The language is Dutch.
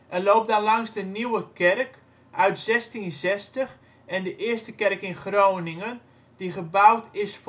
en loopt dan langs de Nieuwe Kerk, uit 1660 en de eerste kerk in Groningen die gebouwd is